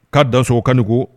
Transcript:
K'a Dansoko k'a ni ko